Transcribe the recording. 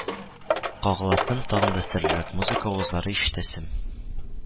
Кагыласым, тагын да серлерәк музыка авазлары ишетәсем